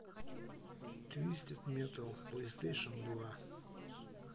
твистед метал плейстейшн два